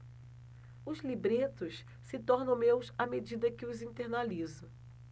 os libretos se tornam meus à medida que os internalizo